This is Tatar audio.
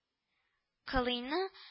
Кылыйны